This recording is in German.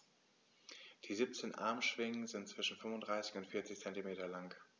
Die 17 Armschwingen sind zwischen 35 und 40 cm lang.